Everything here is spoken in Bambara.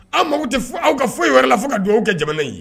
Aw mako tɛ fɔ aw ka foyi wɛrɛ la fo ka dugawu kɛ jamana ye.